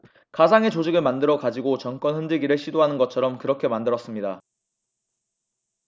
가상의 조직을 만들어 가지고 정권 흔들기를 시도하는 것처럼 그렇게 만들었습니다